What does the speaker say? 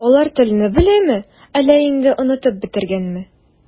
Алар телне беләме, әллә инде онытып бетергәнме?